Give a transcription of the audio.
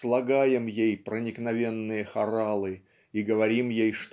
слагаем ей проникновенные хоралы и говорим ей